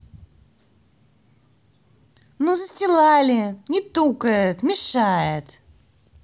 ну застилали не тукает мешает